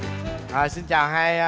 à xin chào hai